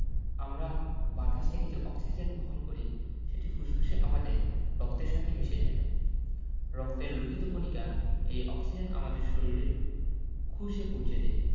আমরা বাতাস থেকে যে অক্সিজেন গহণ করি সেটি ফুসফুসে আমাদের রক্তের সাথে মিশে যায় রক্তের লোহিত কণিকা এই অক্সিজেন আমাদের শরীরের কোষে পৌছে দেয়